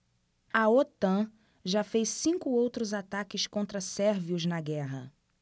a otan já fez cinco outros ataques contra sérvios na guerra